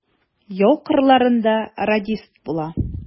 Яу кырларында радист була.